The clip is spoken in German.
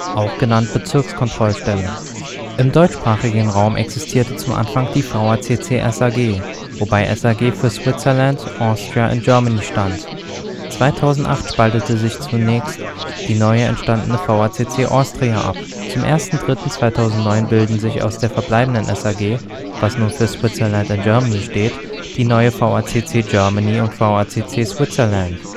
auch genannt Bezirkskontrollstelle. Vgl. hierzu Area Control Center. Im deutschsprachigen Raum existierte zu Anfang die vACC-SAG (wobei SAG für Switzerland, Austria & Germany stand). 2008 spaltete sich zunächst die neue entstehende vACC Austria ab; zum 01. 03. 2009 bilden sich aus der verbleibenden SAG (steht nun für Switzerland and Germany) die neue vACC Germany und vACC Switzerland